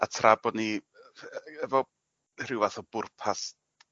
A tra bod ni yy ff- e- efo rhyw fath o bwrpas